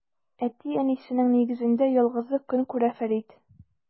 Әти-әнисенең нигезендә ялгызы көн күрә Фәрид.